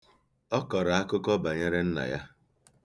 Ọ kọrọ akụkọ banyere nna ya.